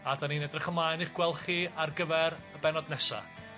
a 'dan ni'n edrych ymlaen i'ch gweld chi ar gyfer y bennod nesa.